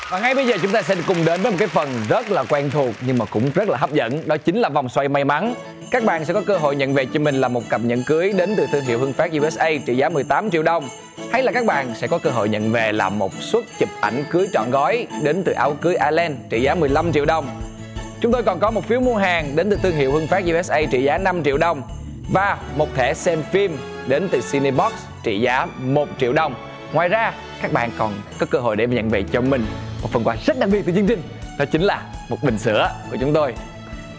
và ngay bây giờ chúng ta sẽ cùng đến cái phần rất là quen thuộc nhưng cũng rất là hấp dẫn đó chính là vòng xoay may mắn các bạn sẽ có cơ hội nhận về cho mình là một cặp nhẫn cưới đến từ thương hiệu phương pháp iu s ây trị giá mười tám triệu đồng hay là các bạn sẽ có cơ hội nhận về là một suất chụp ảnh cưới trọn gói đến từ áo cưới ai len trị giá mười lăm triệu đồng chúng tôi cần có một phiếu mua hàng đến thương hiệu hưng phát iu s ây trị giá năm triệu đồng và một thẻ xem phim đến từ si ni bót trị giá một triệu đồng ngoài ra các bạn còn có cơ hội để dành về cho mình một phần quà rất đặc biệt của chương trình là chính là một bình sữa của chúng tôi